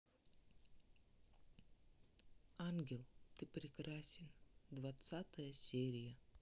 ангел ты прекрасен двадцатая серия